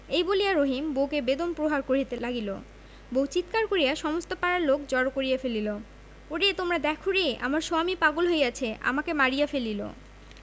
এই বলিয়া রহিম বউকে বেদম প্রহার করিতে লাগিল বউ চিৎকার করিয়া সমস্ত পাড়ার লোক জড়ো করিয়া ফেলিল ওরে তোমরা দেখরে আমার সোয়ামী পাগল হইয়াছে আমাকে মারিয়া ফেলিল